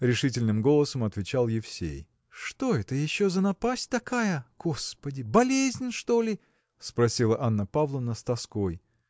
– решительным голосом отвечал Евсей. – Что это еще за напасть такая? Господи! болезнь, что ли? – спросила Анна Павловна с тоской.